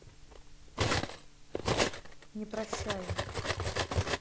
не прощаю